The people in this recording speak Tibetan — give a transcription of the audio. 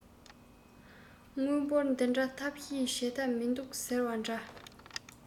དངུལ འབོར འདི འདྲ ཐབས ཤེས བྱེད ཐབས མིན འདུག ཟེར བ འདྲ